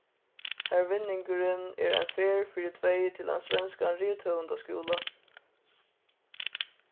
har vinningurin er ein ferð fyri tvey til ein svenskan rithøvundaskúla